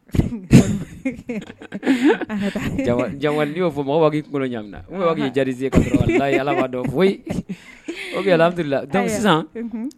No fɔi ɲai jatigi ala ala